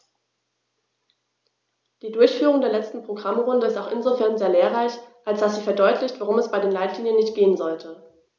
Die Durchführung der letzten Programmrunde ist auch insofern sehr lehrreich, als dass sie verdeutlicht, worum es bei den Leitlinien nicht gehen sollte.